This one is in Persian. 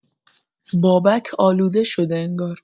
بابک آلوده شده انگار.